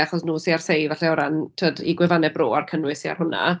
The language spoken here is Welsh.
Achos nhw sydd â'r say falle o ran timod eu gwefannau Bro a'r cynnwys sy ar hwnna.